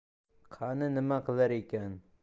qani nima qilar ekan